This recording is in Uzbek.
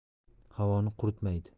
havoni quritmaydi